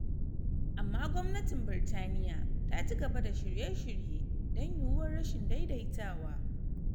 Amma Gwamnatin Birtaniya ta ci gaba da shirye-shirye don yiwuwar rashin daidaitawa.